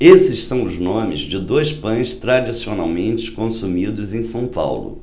esses são os nomes de dois pães tradicionalmente consumidos em são paulo